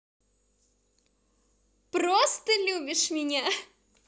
просто любишь меня